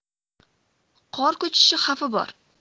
qor ko'chishi xavfi bor